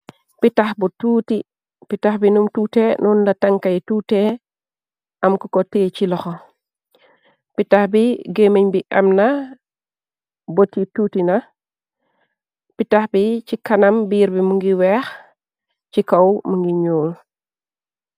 Pitah bu tuti, pitah bi num tutè nol la tanka yi tutè. Am ku ko tè ci loho. Pitah bi gamènn bi amna, buot yi tutti na. Pitah bi ci kanam biir bi mungi weeh, ci kaw mungi ñuul.